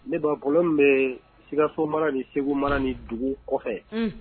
Ne bakolo bɛ skaso mana ni segu mana ni dugu kɔfɛ